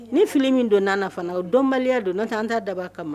Ni fili min don nana fana o donbaliya don n tɛ an t' daba kama ma